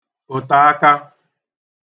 òtèaka